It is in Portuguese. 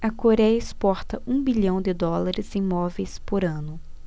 a coréia exporta um bilhão de dólares em móveis por ano